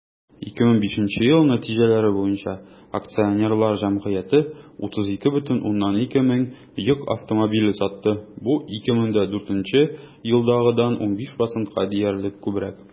2005 ел нәтиҗәләре буенча акционерлар җәмгыяте 32,2 мең йөк автомобиле сатты, бу 2004 елдагыдан 15 %-ка диярлек күбрәк.